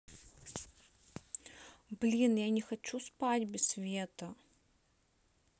блин я не хочу спать без света